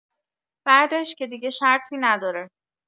بعدش که دیگه شرطی نداره